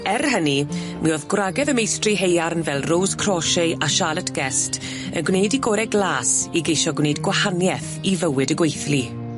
Er hynny mi o'dd gwragedd y meistri haearn fel Rose Crauchete a Charlotte Guest yn gwneud 'u gor'e glas i geisio gwneud gwahanieth i fywyd y gweithlu.